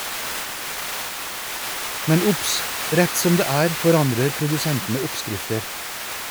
Men obs - rett som det er forandrer produsentene oppskrifter.